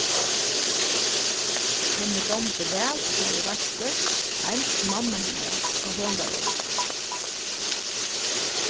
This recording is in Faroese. henni dámdi væl at fara í veitslur eins og mamma hennara tá hon var ung